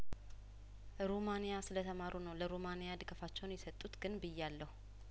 ሩማንያ ስለተማሩ ነው ለሩማኒያ ድጋፋቸውን የሰጡት ግን ብያለሁ